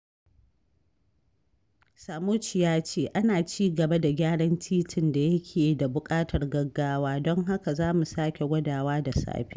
Cermuschi ya ce, ''Ana ci gaba da gyaran titin da yake da buƙatar gaggawa, don haka za mu sake gwadawa da safe''.